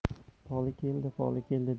poli keldi poli keldi